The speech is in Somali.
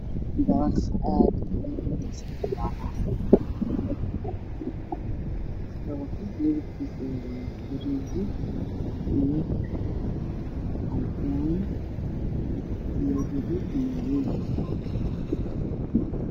Waa dabaq aada iyo aada u dheer oo leh daaqado midabkiisa waa qaxwi caddeys